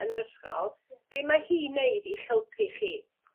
Yn yr ysgol be ma' hi'n neud i'ch helpu chi?